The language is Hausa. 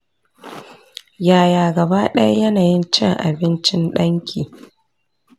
yaya gaba daya yanayin cin abincin danki?